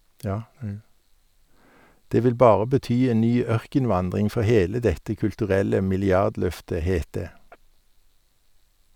Det vil bare bety en ny ørkenvandring for hele dette kulturelle milliardløftet, het det.